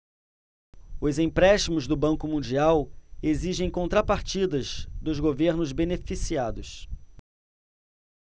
os empréstimos do banco mundial exigem contrapartidas dos governos beneficiados